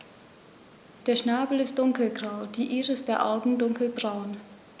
Der Schnabel ist dunkelgrau, die Iris der Augen dunkelbraun.